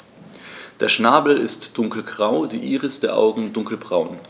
Der Schnabel ist dunkelgrau, die Iris der Augen dunkelbraun.